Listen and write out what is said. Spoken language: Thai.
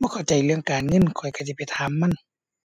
บ่เข้าใจเรื่องการเงิน ข้อยก็สิไปถามมัน